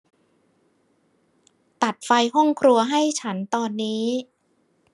ตัดไฟห้องครัวให้ฉันตอนนี้